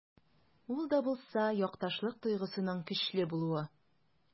Ул да булса— якташлык тойгысының көчле булуы.